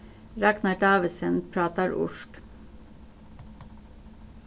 ragnar davidsen prátar írskt